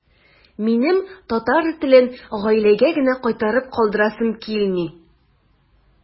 Минем татар телен гаиләгә генә кайтарып калдырасым килми.